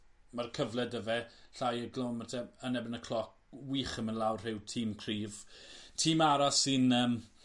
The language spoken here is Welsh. ma'r cyfle 'da fe llai o gilometer yn erbyn y cloc. Wych yn myn' lawr rhiw. Tîm cryf. Tîm arall sy'n yym